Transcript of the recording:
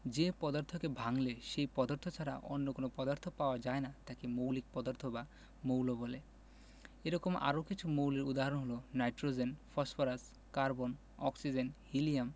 যে পদার্থকে ভাঙলে সেই পদার্থ ছাড়া অন্য কোনো পদার্থ পাওয়া যায় না তাকে মৌলিক পদার্থ বা মৌল বলে এরকম আরও কিছু মৌলের উদাহরণ হলো nitrogen phosphorus carbon oxygen helium